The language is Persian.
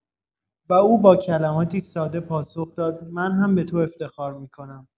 و او با کلماتی ساده پاسخ داد: من هم به تو افتخار می‌کنم.